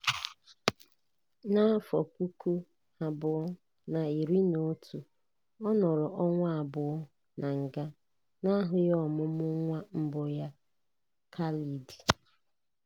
Na 2011, ọ nọrọ ọnwa abụọ na nga, na-ahụghị ọmụmụ nwa mbụ ya, Khaled.